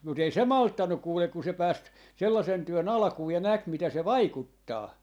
mutta ei se malttanut kuule kun se pääsi sellaisen työn alkuun ja näki mitä se vaikuttaa